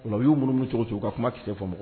Ola u y'u munumunu cogo cogo u ka kuma kisɛ fɔ mɔgɔw